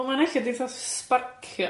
Wel ma'n ella 'di tha sbarcio,